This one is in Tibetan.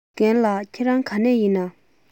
རྒན ལགས ཁྱེད རང ག ནས ཡིན ན